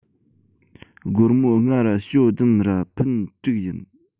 སྒོར མོ ལྔ ར ཞོ བདུན ར ཕུན དྲུག ཡིན